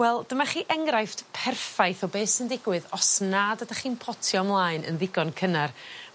Wel dyma chi enghraifft perffaith o be' sy'n digwydd os nad ydach chi'n potio mlaen yn ddigon cynnar.